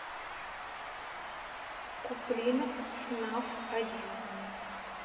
куплинов фнаф один